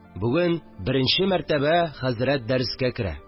Бүген беренче мәртәбә хәзрәт дәрескә керә